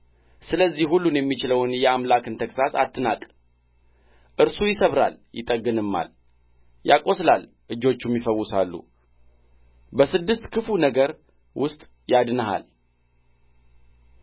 ስለዚህ ሁሉን የሚችለውን የአምላክን ተግሣጽ አትናቅ እርሱ ይሰብራል ይጠግንማል ያቈስላል እጆቹም ይፈውሳሉ በስድስት ክፉ ነገር ውስጥ ያድንሃል